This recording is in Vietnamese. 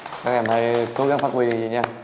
các em hãy cố gắng phát huy nha